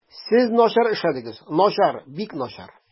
Сез начар эшләдегез, начар, бик начар.